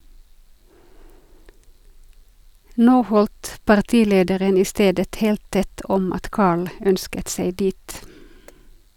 - Nå holdt partilederen i stedet helt tett om at Carl ønsket seg dit.